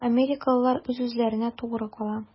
Америкалылар үз-үзләренә тугры кала.